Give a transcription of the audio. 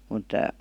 mutta